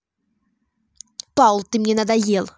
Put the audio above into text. paul ты мне надоел